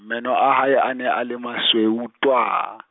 meno a hae a ne a le masweu twaa.